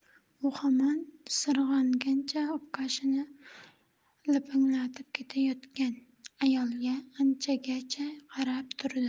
u hamon sirg'angancha obkashini lapanglatib ketayotgan ayolga anchagacha qarab turdi